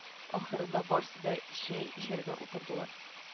Ахырда барысы да чәй эчәргә утырдылар